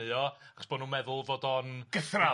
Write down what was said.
Achos bo' nw'n meddwl fod o'n... Gythral!...